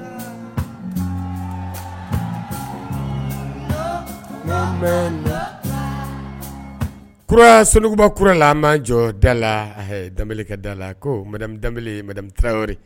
Kura sokuba kura la a ma jɔ da la da ka da la ko taraweley